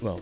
waaw